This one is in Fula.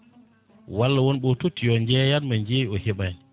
walla wonɓe o totti yo jeyanmo jeeyi o heeɓani